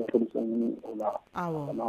folikan ɲini ola. Awɔ